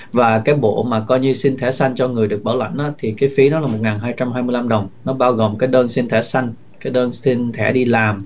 và cái bộ mà coi như xin thẻ xanh cho người được bảo lảnh á thì cái phí đó là một ngàn hai trăm hai mươi lăm đồng nó bao gồm các đơn xin thẻ xanh cái đơn xin thẻ đi làm